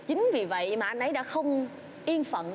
chính vì vậy mà anh ấy đã không yên phậng